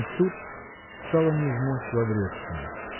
Но тут стало невмочь Лаврецкому.